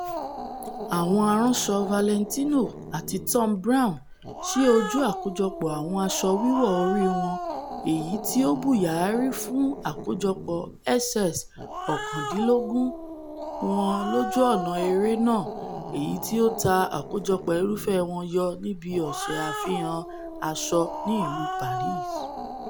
Àwọn aránsọ Valentino àti Thom Browne sị́́ óju àkójọpọ àwọn asọ wíwọ̀ orí wọn èyití o bùyààri fún àkójọpọ̀ SS19 wọn lójú ọ̀nà-eré náà èyití o ta àkojọpọ̀ irúfẹ́ wọn yọ níbi Ọ̀sẹ̀ Àfihàn Asọ ní Ìlú Paris.